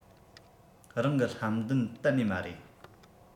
རང གི ལྷམ གདན གཏན ནས མ རེད